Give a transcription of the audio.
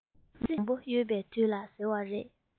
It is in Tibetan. ཙི ཙི མང པོ ཡོད པའི དུས ལ ཟེར བ རེད